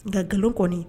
Nka g kɔni